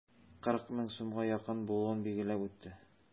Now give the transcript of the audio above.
40 мең сумга якын булуын билгеләп үтте.